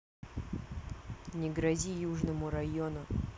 не грози южному району